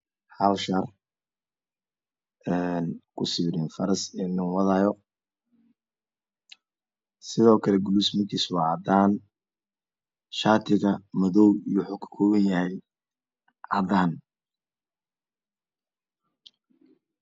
Hal shaar oo kusawiran nin faras wado. Kuluustiisu waa cadaan. Shaatiga madow iyo cadaan ayuu ka kooban yahay.